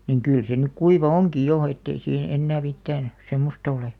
niin kyllä se nyt kuiva onkin jo että ei siihen enää mitään semmoista ole